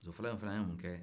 muso fɔlɔ in fana ye mun kɛ